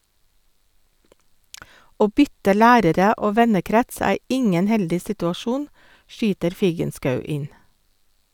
Å bytte lærere og vennekrets er ingen heldig situasjon, skyter Figenschou inn.